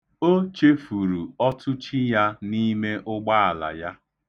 O chefuru ọtụchi ya n'ime ụgbaala ya.